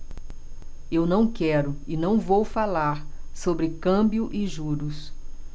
eu não quero e não vou falar sobre câmbio e juros